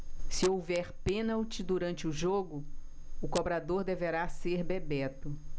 se houver pênalti durante o jogo o cobrador deverá ser bebeto